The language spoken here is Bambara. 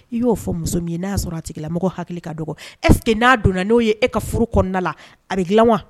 I yo fɔ muso min ye na sɔrɔ a tigila mɔgɔ hakili ka dɔgɔ est ce que na donna no ye e ka furu kɔnɔna la a bi gilan wa?